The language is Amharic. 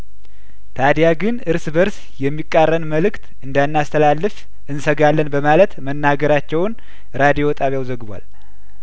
ታዲያ ግን እርስ በርስ የሚቃረን መልእክት እንዳናስተላልፍ እንሰጋለን በማለት መናገራቸውን ራዲዮ ጣቢያው ዘግቧል